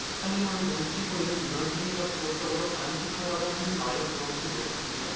하지만 본 피고인은 이러한 행위가 도덕적으로 바람직하다고 하는 말을 들어보지 못했습니다